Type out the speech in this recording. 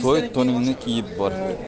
to'y to'ningni kiyib bor